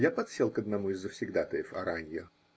Я подсел к одному из завсегдатаев Араньо .